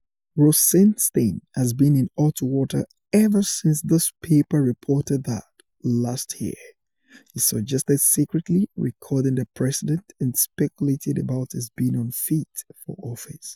Rosenstein has been in hot water ever since this paper reported that, last year, he suggested secretly recording the president and speculated about his being unfit for office.